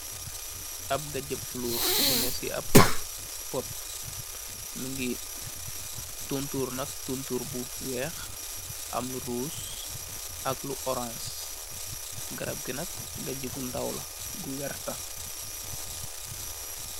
Ab gajag fulor, bu nee si am pot, mingi tontor nak, tontor bu weex, am lu rose, ak lu oraans, garab gi nak, gaji gu ndaw la, gu werta.